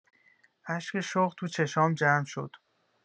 اشک شوق تو چشام جمع شد!